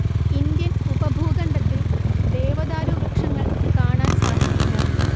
Indian ഉപഭൂഖണ്ഡത്തിൽ ദേവദാരു വൃക്ഷങ്ങൾ കാണാൻ സാധിക്കില്ല